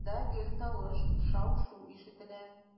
Анда гел тавыш, шау-шу ишетелә.